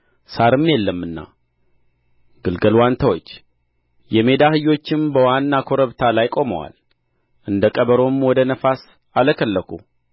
ሣርም የለምና ግልገልዋን ተወች የሜዳ አህዮችም በወና ኮረብታ ላይ ቆመዋል እንደ ቀበሮም ወደ ነፋስ አለከለኩ